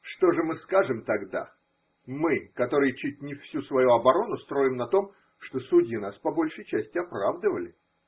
Что же мы скажем тогда – мы, которые чуть не всю свою оборону строим на том, что судьи нас по большей части оправдывали?